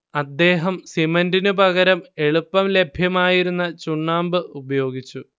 അദ്ദേഹം സിമന്റിനു പകരം എളുപ്പം ലഭ്യമായിരുന്ന ചുണ്ണാമ്പ് ഉപയോഗിച്ചു